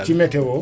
ci météo